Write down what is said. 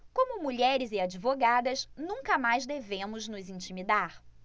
como mulheres e advogadas nunca mais devemos nos intimidar